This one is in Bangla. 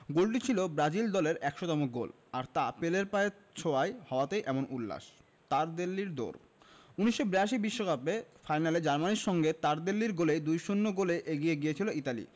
গোলটি ছিল ব্রাজিল দলের ১০০তম গোল আর তা পেলের পায়ের ছোঁয়ায় হওয়াতেই এমন উল্লাস তারদেল্লির দৌড় ১৯৮২ বিশ্বকাপের ফাইনালে জার্মানির সঙ্গে তারদেল্লির গোলেই ২ ০ গোলে এগিয়ে গিয়েছিল ইতালি